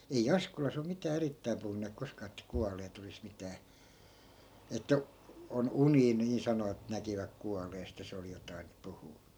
ei Askolassa ole mitään erittäin puhuneet koskaan että kuolleet olisi mitään että on unia niin sanovat näkivät kuolleesta ja se oli jotakin puhunut